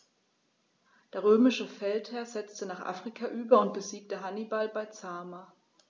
Der römische Feldherr setzte nach Afrika über und besiegte Hannibal bei Zama.